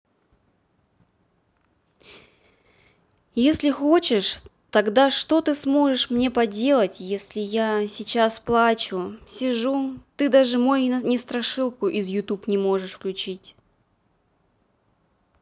если хочешь тогда что ты сможешь мне поделать если я сейчас плачу сижу ты даже мой не страшилку из youtube не можешь включить